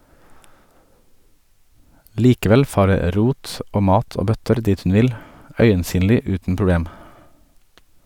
Likevel farer rot og mat og bøtter dit hun vil, øyensynlig uten problem.